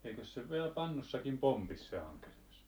eikös se vielä pannussakin pompi se ankerias